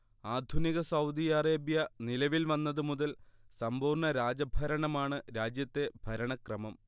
ആധുനിക Saudi Arabia നിലവിൽ വന്നത് മുതൽ സമ്പൂർണ രാജ ഭരണമാണ് രാജ്യത്തെ ഭരണക്രമം